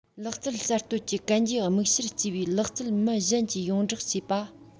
ལག རྩལ གསར གཏོད ཀྱི གན རྒྱའི དམིགས བྱར བརྩིས པའི ལག རྩལ མི གཞན གྱིས ཡོངས བསྒྲགས བྱས པ